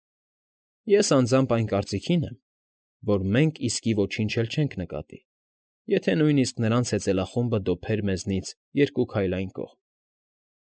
Ես անձամբ այն կարծիքին եմ, որ մենք իսկի ոչինչ էլ չէինք նկատի, եթե նույնիսկ նրանց հեծելախումբը դոփեր մեզնից երկու քայլ այն կողմ։